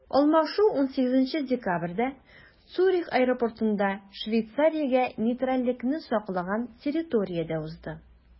Алмашу 18 декабрьдә Цюрих аэропортында, Швейцариягә нейтральлекне саклаган территориядә узды.